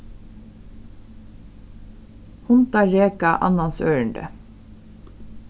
hundar reka annans ørindi